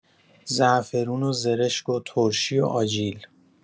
زعفرون و زرشک و ترشی و آجیل